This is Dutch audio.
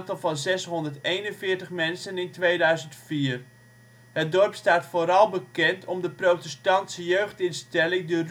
van 641 mensen (2004). Het dorp staat vooral bekend om de protestantse jeugdinstelling de